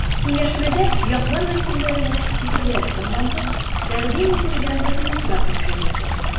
Киңәшмәдә яклар вәкилләренең фикерләре тыңланды, тәкъдим ителгән документлар тикшерелде.